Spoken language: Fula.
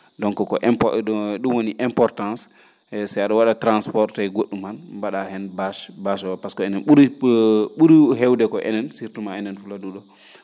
donc impr ko ?um woni importance e si ano wa?a transporté go??um han mba?aa heen bache bache o pasque enen ?uri ?uri heewde koo enen surtout ma enen Fuladu ?oo